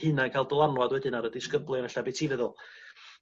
hunna'n ca'l dylanwad wedyn ar y ddisgyblion e'lle be' ti feddwl?